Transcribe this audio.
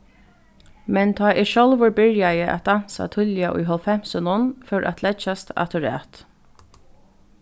men tá eg sjálvur byrjaði at dansa tíðliga í hálvfemsunum fór at leggjast afturat